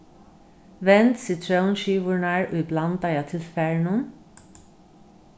vend sitrónskivurnar í blandaða tilfarinum